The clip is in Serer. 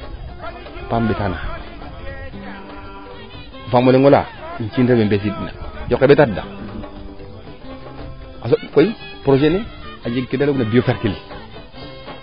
xa paam ɓeta naxaq o faamo leŋola im ci in rewe mbesiid ina yoqe ɓeta tadaq a soɓ koy projet ne a jeg keede leyoogina bio calcule